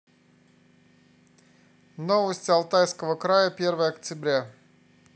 новости алтайского края первое октября